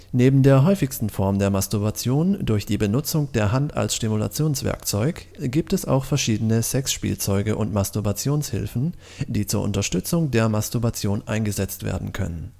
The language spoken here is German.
Neben der häufigsten Form der Masturbation durch die Benutzung der Hand als Stimulationswerkzeug gibt es auch verschiedene Sexspielzeuge und Masturbationshilfen, die zur Unterstützung der Masturbation eingesetzt werden können